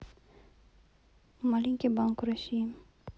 маленький банк в россии